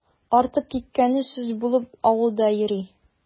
Артып киткәне сүз булып авылда йөри.